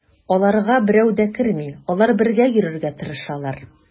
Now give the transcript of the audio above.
Аларга берәү дә керми, алар бергә йөрергә тырышалар.